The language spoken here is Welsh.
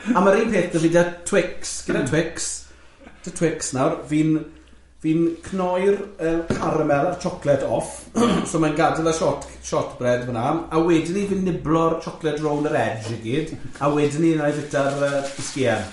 A ma'r un peth dydi de Twix gyda Twix, da Twix nawr, fi'n fi'n cnoi'r yy caramel a'r chocolate off, so mae'n gadael y shot- shot bread fan'na, a wedyn fi'n niblo'r chocolate rownd yr edge i gyd, a wedyn i wna i bwyta'r yy bisgïen.